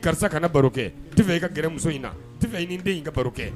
karisa kana baro kɛ i kamuso in i den ka baro kɛ